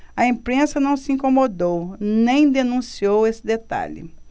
a imprensa não se incomodou nem denunciou esse detalhe